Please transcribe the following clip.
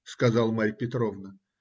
сказала Марья Петровна.